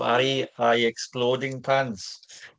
Bye bye exploding pants!